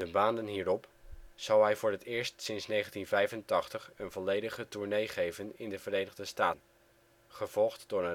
maanden hierop zal hij voor het eerst sinds 1985 een volledige tournee geven in de Verenigde Staten, gevolgd door